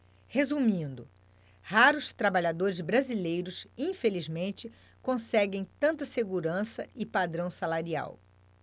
resumindo raros trabalhadores brasileiros infelizmente conseguem tanta segurança e padrão salarial